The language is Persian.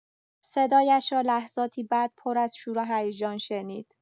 صدایش را لحظاتی بعد، پراز شور و هیجان شنید.